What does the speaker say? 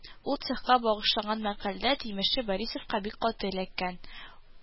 Ул цехка багышланган мәкаләдә тимерче Борисовка бик каты эләккән